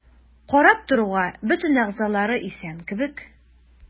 Карап торуга бөтен әгъзалары исән кебек.